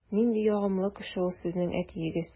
Нинди ягымлы кеше ул сезнең әтиегез!